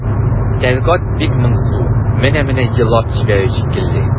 Тәлгать бик моңсу, менә-менә елап җибәрер шикелле.